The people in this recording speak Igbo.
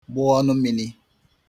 gbụ ọnụ mmini